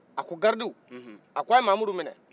a ko gardiw a k'a ye mamudu minɛ